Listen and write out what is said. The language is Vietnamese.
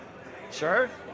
xớ